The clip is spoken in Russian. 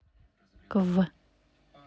кв